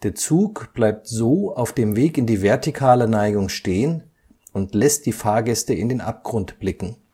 Zug bleibt so auf dem Weg in die vertikale Neigung stehen und lässt die Fahrgäste in den Abgrund blicken